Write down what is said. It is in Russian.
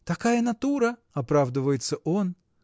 “Такая натура!” — оправдывается он.